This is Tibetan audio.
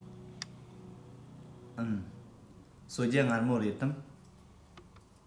འུན གསོལ ཇ མངར མོ རེད དམ